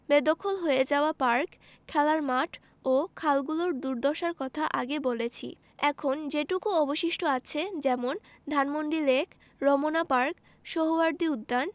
বেদখল হয়ে যাওয়া পার্ক খেলার মাঠ ও খালগুলোর দুর্দশার কথা আগে বলেছি এখন যেটুকু অবশিষ্ট আছে যেমন ধানমন্ডি লেক রমনা পার্ক সোহ্রাওয়ার্দী উদ্যান